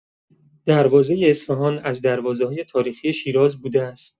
دروازه اصفهان از دروازه‌های تاریخی شیراز بوده است.